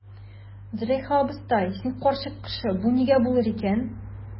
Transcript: Зөләйха абыстай, син карчык кеше, бу нигә булыр икән?